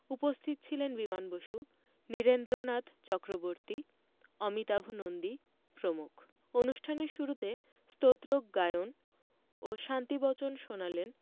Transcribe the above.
উপস্থিত ছিলেন বিমান বসু নীরেন্দ্রনাথ চক্রবর্তী অমিতাভ নন্দী প্রমুখ অনুষ্ঠানের শুরুতে স্তোত্র গায়ন ও শান্তিবচন শোনালেন